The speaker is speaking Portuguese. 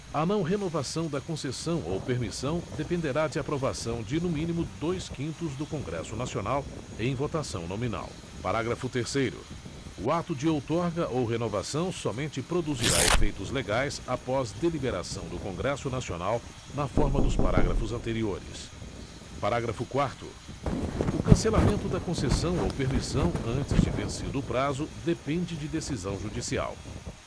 a não renovação da concessão ou permissão dependerá de aprovação de no mínimo dois quintos do congresso nacional em votação nominal parágrafo terceiro o ato de outorga ou renovação somente produzirá efeitos legais após deliberação do congresso nacional na forma dos parágrafos anteriores parágrafo quarto o cancelamento da concessão ou permissão antes de vencido o prazo depende de decisão judicial